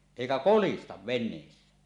eikä kolista veneessä